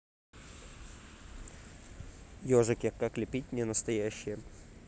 ежики как лепить ненастоящие